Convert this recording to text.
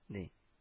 Ди